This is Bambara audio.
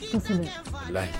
Kosɛbɛ, walahi,